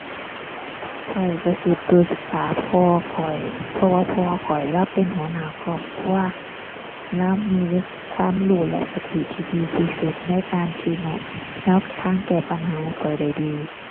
ข้อยก็สิปรึกษาพ่อข้อย เพราะว่าพ่อข้อยเลาเป็นหัวหน้าครอบครัว เลามีความรู้และสติที่ดีที่สุดในการชี้แนะแนวทางแก้ปัญหาให้ข้อยได้ดี